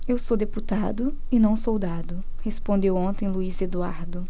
eu sou deputado e não soldado respondeu ontem luís eduardo